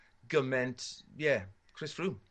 gyment. Ie. Chris Froome.